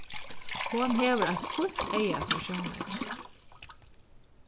hon hevur eitt fínt eyga fyri sjónleiki